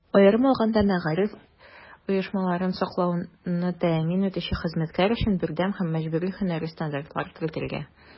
Аерым алганда, мәгариф оешмаларын саклауны тәэмин итүче хезмәткәр өчен бердәм һәм мәҗбүри һөнәри стандартлар кертергә.